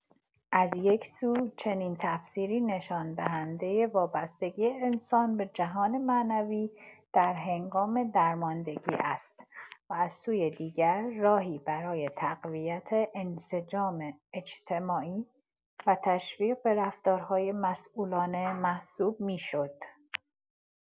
از یک‌سو، چنین تفسیری نشان‌دهنده وابستگی انسان به جهان معنوی در هنگام درماندگی است و از سوی دیگر، راهی برای تقویت انسجام اجتماعی و تشویق به رفتارهای مسئولانه محسوب می‌شد.